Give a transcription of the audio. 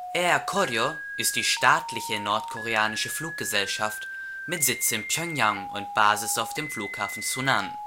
Air Koryo ist die staatliche nordkoreanische Fluggesellschaft mit Sitz in Pjöngjang und Basis auf dem Flughafen Sunan